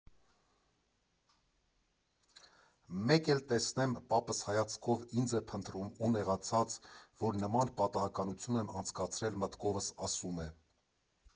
Մեկ էլ տեսնեմ՝ պապս հայացքով ինձ է փնտրում ու, նեղացած, որ նման պատահականություն եմ անցկացրել մտքովս, ասում է.